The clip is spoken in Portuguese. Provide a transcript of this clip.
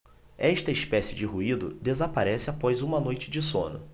esta espécie de ruído desaparece após uma noite de sono